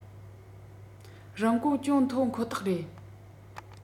རིན གོང ཅུང མཐོ ཁོ ཐག རེད